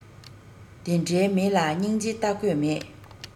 དེ འདྲའི མི ལ སྙིང རྗེ ལྟ དགོས མེད